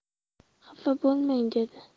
xafa bo'lmang dedi